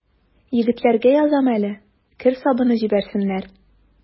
Егетләргә язам әле: кер сабыны җибәрсеннәр.